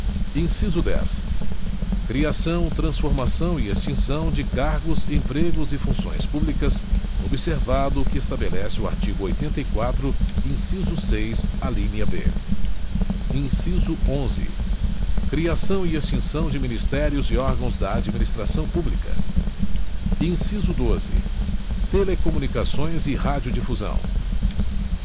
inciso dez criação transformação e extinção de cargos empregos e funções públicas observado o que estabelece o artigo oitenta e quatro inciso seis alínea b inciso onze criação e extinção de ministérios e órgãos da administração pública inciso doze telecomunicações e radiodifusão